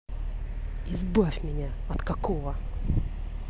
избавь меня от какого